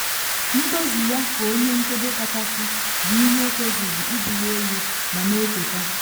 Ntozu ya ka Onye Nchedo Kachasị bụ ihe tozuru ibuli elu ma na echeta.”